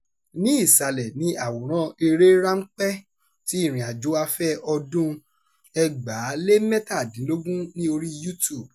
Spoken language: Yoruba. Ní ìsàlẹ̀ ni àwòrán-eré ránpẹ́ ti ìrìnàjò afẹ́ ọdún-un 2017 ní oríi YouTube: